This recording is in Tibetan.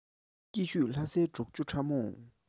སྐྱིད ཤོད ལྷ སའི གྲོག ཆུ ཕྲ མོ